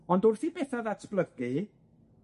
Ond wrth i betha ddatblygu,